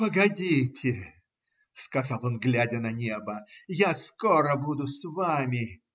Погодите, - сказал он, глядя на небо: - я скоро буду с вами.